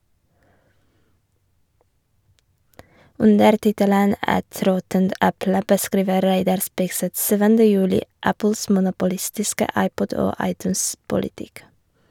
Under tittelen «Et råttent eple» beskriver Reidar Spigseth 7. juli Apples monopolistiske iPod- og iTunes-politikk.